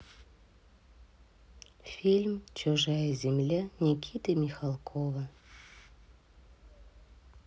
фильм чужая земля никиты михалкова